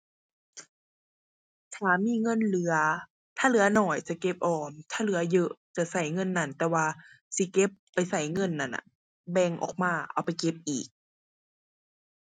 ถ้ามีเงินเหลือ ถ้าเหลือน้อยจะเก็บออม ถ้าเหลือเยอะจะใช้เงินนั้น แต่ว่าสิเก็บไปใช้เงินนั้นน่ะ แบ่งออกมาเอาไปเก็บอีก